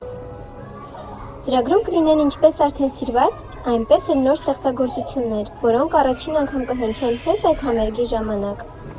Ծրագրում կլինեն ինչպես արդեն սիրված, այնպես էլ նոր ստեղծագործություններ, որոնք առաջին անգամ կհնչեն հենց այդ համերգի ժամանակ։